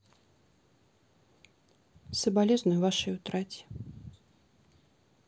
соболезную вашей утрате